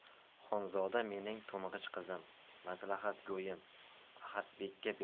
xonzoda mening to'ng'ich qizim maslahatgo'yim ahmadbekka